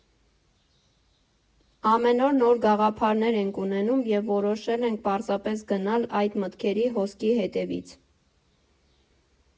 Ամեն օր նոր գաղափարներ ենք ունենում, և որոշել ենք պարզապես գնալ այդ մտքերի հոսքի հետևից։